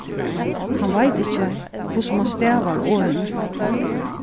hann veit ikki hvussu mann stavar orðini